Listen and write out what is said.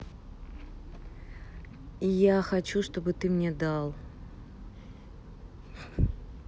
я хочу чтобы ты мне дал